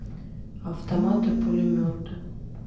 автоматы пулеметы